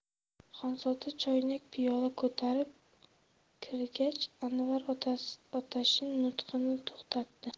xonzoda choynak piyola ko'tarib kirgach anvar otashin nutqini to'xtatdi